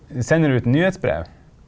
sender du ut nyhetsbrev?